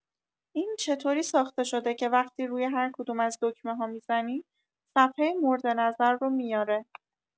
این چطوری ساخته‌شده که وقتی روی هر کدوم از دکمه‌ها می‌زنی، صفحه مورد نظر رو میاره؟